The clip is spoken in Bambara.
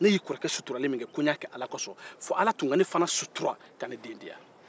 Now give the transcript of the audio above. ne y'i kɔrɔkɛ sutuli min ke ko n y'a kɛ ala kosɔn fo ala fana tun ka ne sutura ka n den di n ma